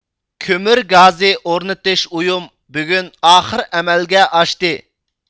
كۆمۈر گازى ئورنىتىش ئويۇم بۈگۈن ئاخىر ئەمەلگە ئاشتى